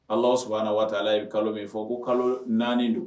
Ala subahana wataala ye kalo min fɔ ko kalo naani don